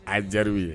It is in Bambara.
A ye diyaraw ye